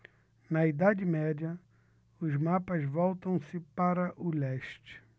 na idade média os mapas voltam-se para o leste